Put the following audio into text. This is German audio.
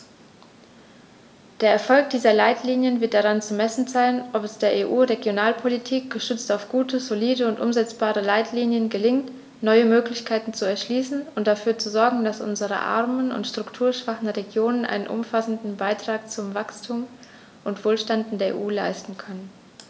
Der Erfolg dieser Leitlinien wird daran zu messen sein, ob es der EU-Regionalpolitik, gestützt auf gute, solide und umsetzbare Leitlinien, gelingt, neue Möglichkeiten zu erschließen und dafür zu sorgen, dass unsere armen und strukturschwachen Regionen einen umfassenden Beitrag zu Wachstum und Wohlstand in der EU leisten können.